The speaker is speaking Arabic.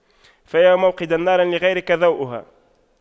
فيا موقدا نارا لغيرك ضوؤها